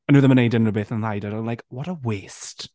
Nhw ddim yn wneud unrhyw beth yn y Hideout. I'm like "what a waste!"